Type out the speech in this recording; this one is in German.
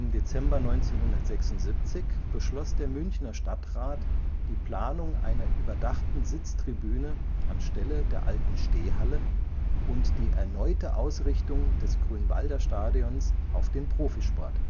Dezember 1976 beschloss der Münchner Stadtrat die Planung einer überdachten Sitztribüne anstelle der alten Stehhalle und die erneute Ausrichtung des Grünwalder Stadions auf den Profisport